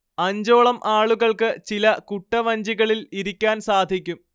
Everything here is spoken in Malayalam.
അഞ്ചോളം ആളുകൾക്ക് ചില കുട്ടവഞ്ചികളിൽ ഇരിക്കാൻ സാധിക്കും